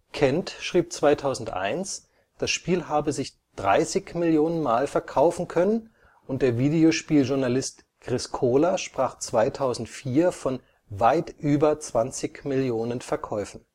Kent schrieb 2001, das Spiel habe sich 30 Millionen Mal verkaufen können und der Videospieljournalist Chris Kohler sprach 2004 von „ weit über “(„ well past “) 20 Millionen Verkäufen